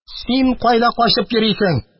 Син кайда качып йөрисең?